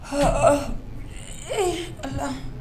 Haa ii Ala